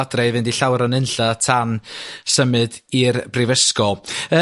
adra i fynd i llawer o nunlla tan symud i'r brifysgol.